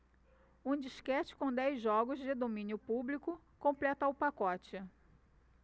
um disquete com dez jogos de domínio público completa o pacote